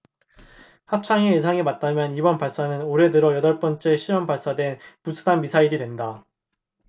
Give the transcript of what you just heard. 합참의 예상이 맞다면 이번 발사는 올해 들어 여덟 번째 시험발사된 무수단 미사일이 된다